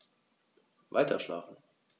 Weiterschlafen.